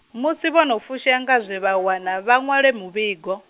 musi vho no fushea nga zwe vha wana vha ṅwala muvhigo.